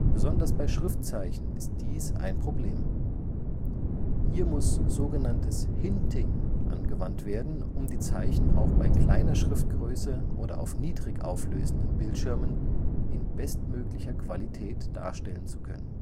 Besonders bei Schriftzeichen ist dies ein Problem. Hier muss so genanntes Hinting angewandt werden, um die Zeichen auch bei kleiner Schriftgröße oder auf niedrig auflösenden Bildschirmen in bestmöglicher Qualität darstellen zu können